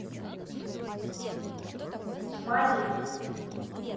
мать из